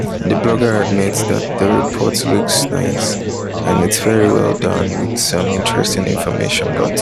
The blogger admits that the report looks nice and is very well done with some interesting information, but…